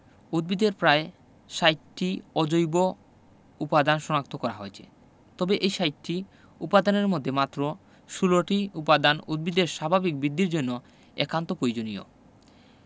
উদ্ভিদের প্রায় ৬০টি অজৈব উপাদান শনাক্ত করা হয়েছে তবে এই ৬০টি উপাদানের মধ্যে মাত্র ১৬টি উপাদান উদ্ভিদের স্বাভাবিক বিদ্ধির জন্য একান্ত পয়োজনীয়